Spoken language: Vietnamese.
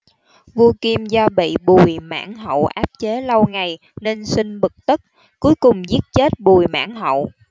vua kim do bị bùi mãn hậu áp chế lâu ngày nên sinh bực tức cuối cùng giết chết bùi mãn hậu